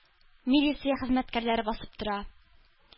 Милиция хезмәткәрләре басып тора.